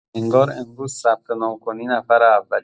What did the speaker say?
انگار امروز ثبت‌نام کنی نفر اولی